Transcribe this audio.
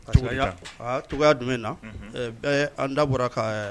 Parceseke cogoyaya jumɛn na bɛɛ an da bɔra ka